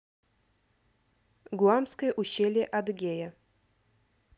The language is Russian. гуамское ущелье адыгея